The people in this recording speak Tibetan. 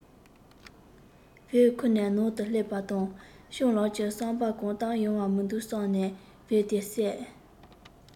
བེའུ འཁུར ནས ནང དུ སླེབས པ དང སྤྱང ལགས ཀྱི བསམ པར གང ལྟར ཡོང བ མི འདུག བསམས ནས བེའུ དེ བསད